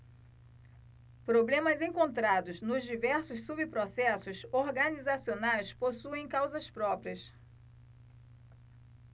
problemas encontrados nos diversos subprocessos organizacionais possuem causas próprias